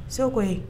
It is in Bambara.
So ko koyi